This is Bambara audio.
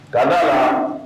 K'